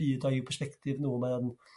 byd o i'w persbectif nhw mae o'n